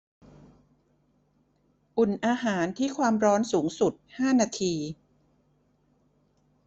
อุ่นอาหารที่ความร้อนสูงสุดห้านาที